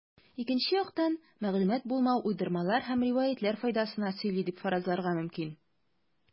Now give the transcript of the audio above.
Икенче яктан, мәгълүмат булмау уйдырмалар һәм риваятьләр файдасына сөйли дип фаразларга мөмкин.